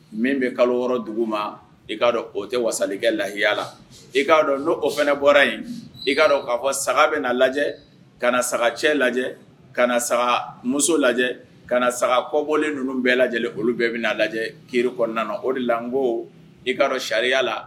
Min bɛ kalo yɔrɔ dugu ma i k'a dɔn o tɛ wasali kɛ lahiyala i k'a dɔn' o fana bɔra yen i k'a k kaa fɔ saga bɛ lajɛ ka na saga cɛ lajɛ ka saga muso lajɛ ka na saga kɔbɔlen ninnu bɛɛ lajɛ olu bɛɛ bɛna lajɛ kiri kɔnɔna o de la ko i'a dɔn sariyala